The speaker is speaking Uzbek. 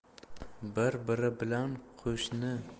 bir biri bilan qo'shni